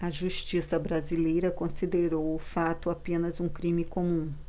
a justiça brasileira considerou o fato apenas um crime comum